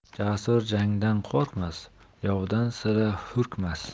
jasur jangdan qo'rqmas yovdan sira hurkmas